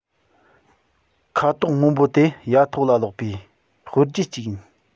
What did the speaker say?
ཁ དོག སྔོན པོ དེ ཡ ཐོག ལ ལོག པའི དཔེར བརྗོད ཅིག ཡིན